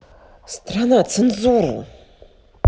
страна цензуру